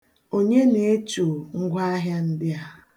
Onye na-echo ngwaahịa ndịa?